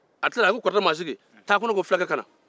a tila la a ko kɔrɔtɛ masigi taa ko ne ko ko fulakɛ ka na